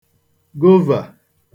govà